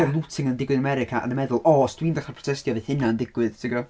Looting yn digwydd yn America ac yn meddwl "os dwi'n dechrau protestio fydd hynna'n digwydd" tibod.